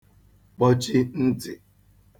kpọchi ntị̀